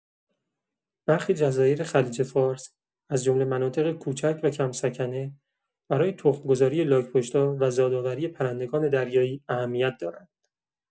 برخی جزایر خلیج‌فارس، از جمله مناطق کوچک و کم‌سکنه، برای تخم‌گذاری لاک‌پشت‌ها و زادآوری پرندگان دریایی اهمیت دارند.